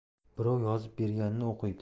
birov yozib berganini o'qiydi